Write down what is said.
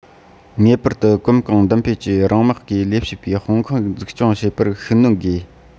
ངེས པར དུ གོམ གང མདུན སྤོས ཀྱིས རང དམག གི ལས བྱེད པའི དཔུང ཁག འཛུགས སྐྱོང བྱེད པར ཤུགས སྣོན དགོས